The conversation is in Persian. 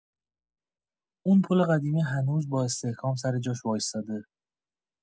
اون پل قدیمی هنوز با استحکام سر جاش وایساده.